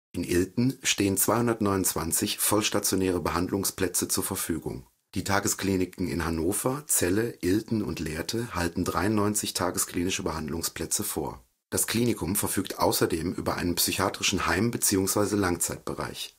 In Ilten stehen 229 vollstationäre Behandlungsplätze zur Verfügung. Die Tageskliniken in Hannover, Celle, Ilten und Lehrte halten 93 tagesklinische Behandlungsplätze vor. Das Klinikum verfügt außerdem über einen psychiatrischen Heim - bzw. Langzeitbereich